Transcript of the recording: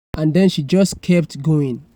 And then she just kept going.